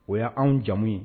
O ye anw jamu ye.